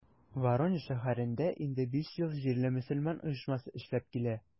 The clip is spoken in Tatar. Воронеж шәһәрендә инде биш ел җирле мөселман оешмасы эшләп килә.